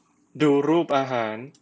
ดูรูปอาหาร